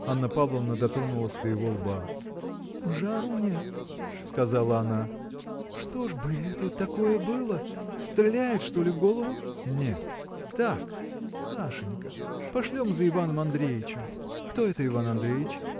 Анна Павловна дотронулась до его лба. – Жару нет, – сказала она. – Что ж бы это такое было? стреляет, что ли, в голову? – Нет. так. – Сашенька! пошлем за Иваном Андреичем. – Кто это Иван Андреич?